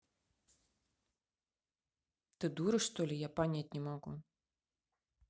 ты дура что ли я понять не могу